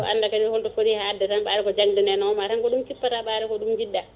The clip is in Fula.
anda kañum holto foti hadde tan ɓaade ko jangde nde nawma tan ko ɗum kippata ɓade ko ɗum jidɗa